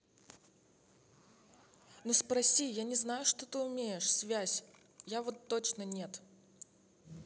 ну спроси я не знаю ты умеешь связь я вот точно нет